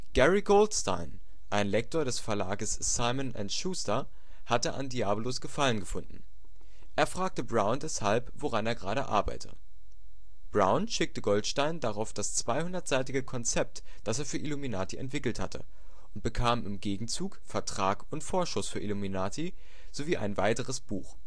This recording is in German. Gary Goldstein, ein Lektor des Verlages Simon & Schuster, hatte an Diabolus Gefallen gefunden. Er fragte Brown deshalb, woran er gerade arbeite. Brown schickte Goldstein daraufhin das 200-seitige Konzept, das er für Illuminati entwickelt hatte, und bekam im Gegenzug Vertrag und Vorschuss für Illuminati sowie ein weiteres Buch